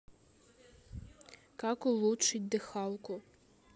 как улучшить дыхалку